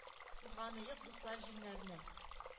Сызганыек, дуслар, җиңнәрне,